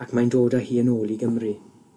ac mae'n dod â hi yn ôl i Gymru.